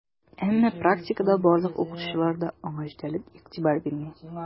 Әмма практикада барлык укытучылар да аңа җитәрлек игътибар бирми: